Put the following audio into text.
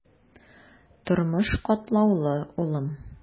Тормыш катлаулы, улым.